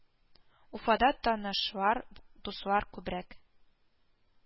Уфада танышлар, дуслар күбрәк